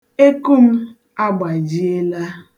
Eku m agbajiela.